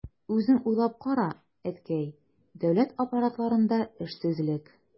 Үзең уйлап кара, әткәй, дәүләт аппаратларында эшсезлек...